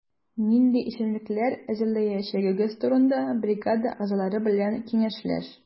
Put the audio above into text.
Нинди эчемлекләр әзерләячәгегез турында бригада әгъзалары белән киңәшләш.